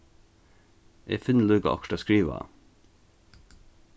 eg finni líka okkurt at skriva á